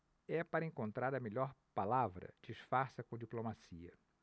é para encontrar a melhor palavra disfarça com diplomacia